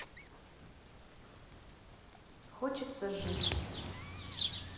хочется жить